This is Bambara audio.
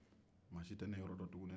maa si tɛ ne yɔrɔdɔn tuguni